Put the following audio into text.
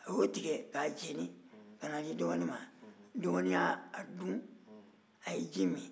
a y'o tigɛ k'a jeni ka n'a di dɔgɔnin ma dɔgɔnin y'o dun a ye ji min